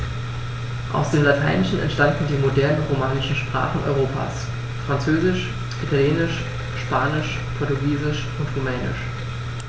Aus dem Lateinischen entstanden die modernen „romanischen“ Sprachen Europas: Französisch, Italienisch, Spanisch, Portugiesisch und Rumänisch.